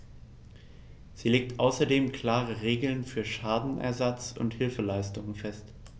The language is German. Sie legt außerdem klare Regeln für Schadenersatz und Hilfeleistung fest.